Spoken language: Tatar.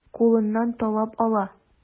Кулыннан талап ала.